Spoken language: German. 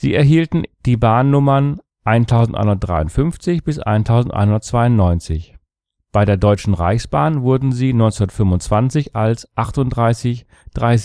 erhielten die Bahnnummern 1153 bis 1192. Bei der Deutschen Reichsbahn wurden sie 1925 als 38 3793